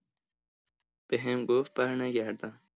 بهم گفت برنگردم.